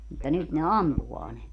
mutta nyt ne ampuu ne